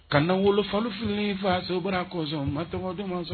Ka na wolofafi faso bɛ kɔsɔn matodenw ma sɔn